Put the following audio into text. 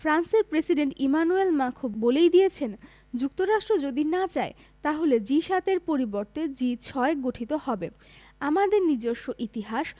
ফ্রান্সের president Emmanuel Macron বলেই দিয়েছেন যুক্তরাষ্ট্র যদি না চায় তাহলে জি ৭ এর পরিবর্তে জি ৬ গঠিত হবে আমাদের নিজস্ব ইতিহাস